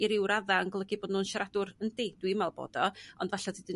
i ryw radda' yn golygu bo' n'w'n siaradwr? Yndi dwi'n meddwl bod o ond 'falla' dydyn